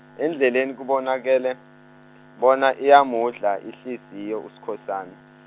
endleleni kubonakale bona iyamudla ihliziyo Uskhosana.